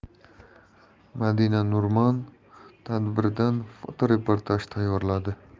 madina nurman tadbirdan fotoreportaj tayyorladi